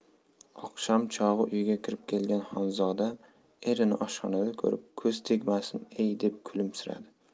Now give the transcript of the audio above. oqshom chog'i uyga kirib kelgan xonzoda erini oshxonada ko'rib ko'z tegmasin ey deb kulimsiradi